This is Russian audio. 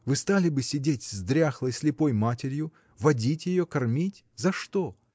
Вы стали бы сидеть с дряхлой, слепой матерью, водить ее, кормить — за что?